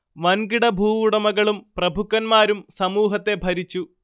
വൻകിട ഭൂവുടമകളും പ്രഭുക്കന്മാരും സമൂഹത്തെ ഭരിച്ചു